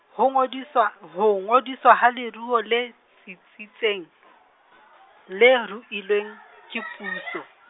ho ngodiswa ngodiswa ha leruo le tsitsitseng , le ruilweng, ke puso.